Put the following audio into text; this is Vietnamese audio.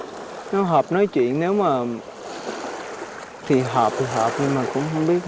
nếu hợp nói chuyện nếu mờ thì hợp thì hợp nhưng mà cũng hông